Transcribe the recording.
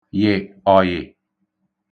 yị̀ ọ̀yị̀